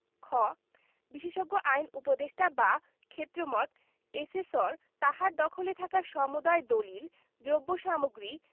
খ বিশেষজ্ঞ আইন উপদেষ্টা বা ক্ষেত্রমত এসেসর তাহার দখলে থাকা সমুদয় দলিল দ্রব্যসামগ্রী